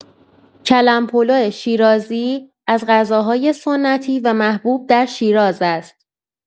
کلم پلوی شیرازی از غذاهای سنتی و محبوب شیراز است.